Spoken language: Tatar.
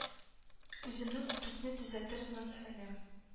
Үземнең үтүкне төзәтер мен әле